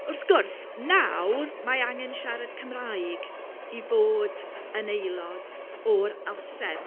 Wrth gwrs, nawr mae angen siarad Cymraeg i fod yn aelod o'r orsedd.